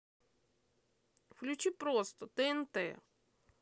включи просто тнт